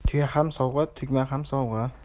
tuya ham sovg'a tugma ham sovg'a